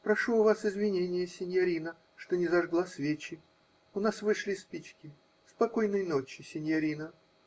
-- Прошу у вас извинения, синьорино, что не зажгла свечи. У нас вышли спички. Спокойной ночи, синьорино.